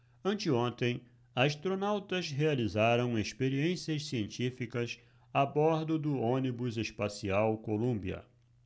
anteontem astronautas realizaram experiências científicas a bordo do ônibus espacial columbia